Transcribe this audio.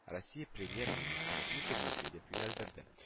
Россия Премьер-министры Дмитрий Медведевка юнәлдерелде